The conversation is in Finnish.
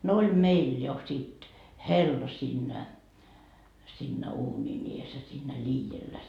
no oli meillä jo sitten hella siinä siinä uunin edessä ja siinä liedellä